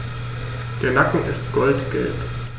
Der Nacken ist goldgelb.